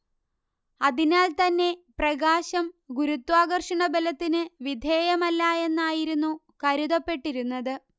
അതിനാൽത്തന്നെ പ്രകാശം ഗുരുത്വാകർഷണബലത്തിന് വിധേയമല്ല എന്നായിരുന്നു കരുതപ്പെട്ടിരുന്നത്